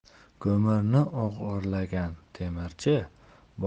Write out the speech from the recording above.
ko'mirni o'g'irlagan temirchi